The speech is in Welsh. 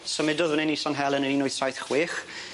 Symudodd fan 'yn i San Helen yn un wyth saith chwech.